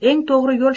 eng to'g'ri yo'l